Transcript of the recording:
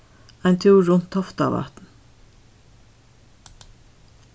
ein túr runt toftavatn